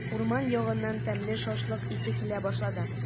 Урман ягыннан тәмле шашлык исе килә башлады.